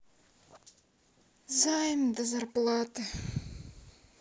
займ до зарплаты